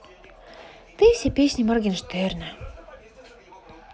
ты все песни моргенштерна